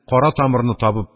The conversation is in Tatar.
Кара тамырыны табып,